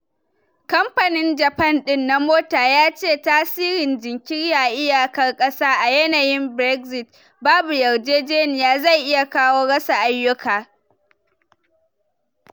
Kamfanin Japan din na mota yace tasirin jinkiri a iyakar ƙasa a yanayin Brexit babu yarjejeniyar zai iya kawo rasa ayyuka.